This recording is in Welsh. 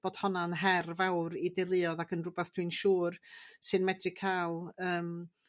bod honna'n her fawr i deuluodd ac yn rwbath dwi'n siŵr sy'n medru ca'l yym